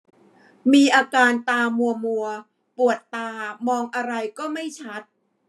มีอาการตามัวมัวปวดตามองอะไรก็ไม่ชัด